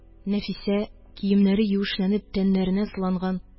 Нәфисә киемнәре юешләнеп тәннәренә сыланган